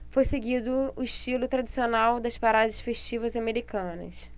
foi seguido o estilo tradicional das paradas festivas americanas